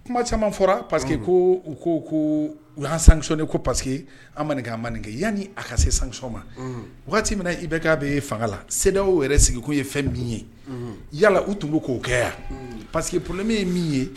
Kuma caman fɔra unhun parce que koo u koo koo u y'an sanctionner ko pa que an ma nin kɛ an ma nin yani a ka se sanction ma unhun waati min na IBK bee fanga la CDEAO yɛrɛ sigikun ye fɛn min ye unhun yala u tun bɛ k'o kɛ a parce que problème ye min ye